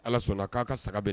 Ala sɔnna k'a ka saga bɛn